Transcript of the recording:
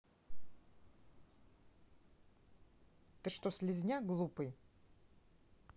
ты что ли слизняк глупый